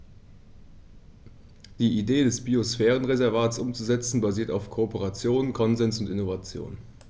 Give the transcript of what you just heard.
Die Idee des Biosphärenreservates umzusetzen, basiert auf Kooperation, Konsens und Innovation.